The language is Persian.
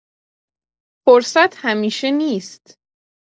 فرصت همیشه نیست.